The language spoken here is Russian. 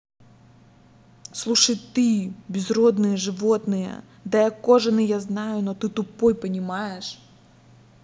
слушай ты безродные животные да я кожаный я знаю но ты тупой понимаешь